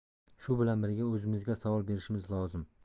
shu bilan birga o'zimizga savol berishimiz lozim